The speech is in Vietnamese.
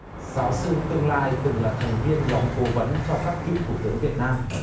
giáo sư tương lai từng là thành viên nhóm cố vấn cho các cựu thủ tướng việt nam